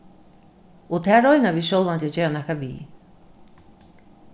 og tað royna vit sjálvandi at gera nakað við